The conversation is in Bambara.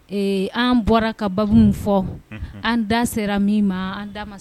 Ee an bɔra ka babu min fɔ an da sera min ma an da ma se min ma.